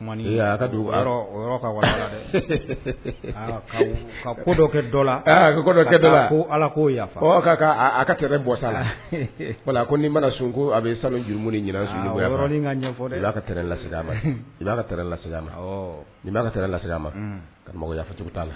Kɛ la ala ko ka bɔsa la mana sunko a bɛ sanu jurumu ɲɛfɔ ia la ma i b'a ka la a ma nin b'a ka la a ma ka' fɔcogo t'a la